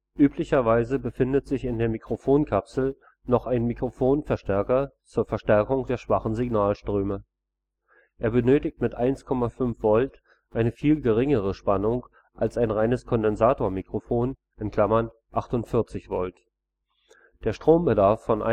Üblicherweise befindet sich in der Mikrofonkapsel noch ein Mikrofonverstärker zur Verstärkung der schwachen Signalströme. Er benötigt mit 1,5 Volt eine viel geringere Spannung als ein reines Kondensatormikrofon (48 Volt). Der Strombedarf von